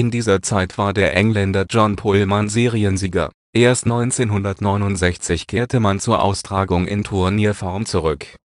dieser Zeit war der Engländer John Pulman Seriensieger. Erst 1969 kehrte man zur Austragung in Turnierform zurück